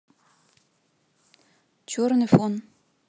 черный фон